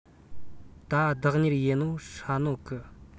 ད བདག གཉེར ཡས ནོ ཧྲ ནོ གི